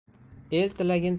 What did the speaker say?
el tilagin tilagin